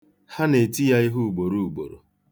Ha na-eti ya ihe ugboruugboro.